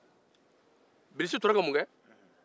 bilisi tora ka mun kɛ